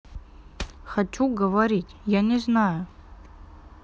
хочу говорить я не знаю